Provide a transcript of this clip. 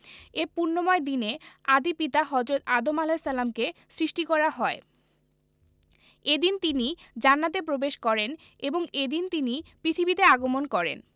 এ পুণ্যময় দিনে আদি পিতা হজরত আদম আ কে সৃষ্টি করা হয় এদিন তিনি জান্নাতে প্রবেশ করেন এবং এদিন তিনি পৃথিবীতে আগমন করেন